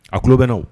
A tulo bɛna wo!